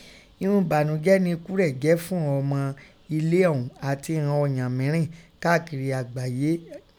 Ihun ẹ̀banujẹ nẹ ikú rẹ̀ jẹ́ fúnghọn ọmọ elé ọ̀ún ati ìghọn ọ̀ǹyan mìírín káàkiri àgbáyé gbaye.